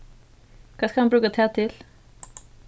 hvat skal hann brúka tað til